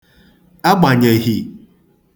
agbànyèhì